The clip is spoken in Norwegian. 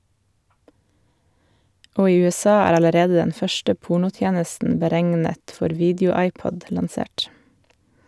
Og i USA er allerede den første pornotjenesten beregnet for video-iPod lansert.